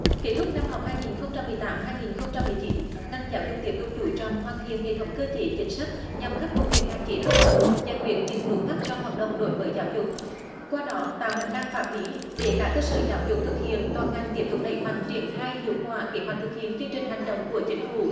kết thúc năm học hai nghìn không trăm mười tám hai nghìn không trăm mười chín ngành giáo dục tiếp tục chú trọng hoàn thiện hệ thống cơ chế chính sách nhằm khắc phục những hạn chế bất cập giải quyết những nút thắt trong hoạt động đổi mới giáo dục qua đó tạo hành lang pháp lý để các cơ sở giáo dục thực hiện toàn ngành tiếp tục đẩy mạnh triển khai hiệu quả kế hoạch thực hiện chương trình hành động của chính phủ